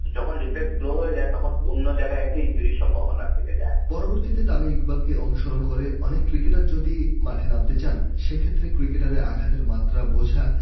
reflex slow হয়ে যায় তখন অন্য জায়গায় একটা ইনজুরি সম্ভাবনা থেকে যায় পরবর্তীতে তামিম ইকবাল কে অনুসরণ করে অনেক ক্রিকেটার যদি মাঠে নামতে চান সে ক্ষেত্রে ক্রিকেটারের আঘাতের মাত্রা বোঝা